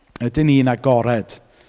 Ydyn ni'n agored?